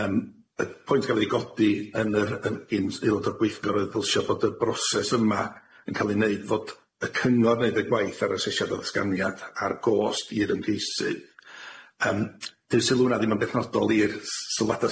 Yym y pwynt gafod i godi yn yr yym gyn aelod o'r pwyllgor odd ddylsia fod y broses yma yn ca'l i neud fod y cyngor neud y gwaith ar asesiad o atganiad ar gôst i'r ymgeisydd yym dyw sylw wnna ddim yn bethnodol i'r s- sylwada